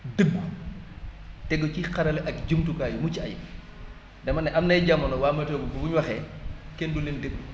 dëggu tegu ci xarale ak jumtukaay yu mucc ayib dama ne am nay jamono waa météo bu ñu waxee kenn du leen déglu